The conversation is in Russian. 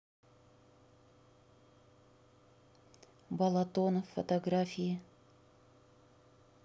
балатон фотографии